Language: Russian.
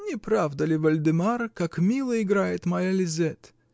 -- Не правда ли, Вольдемар, как мило играет моя Лизет?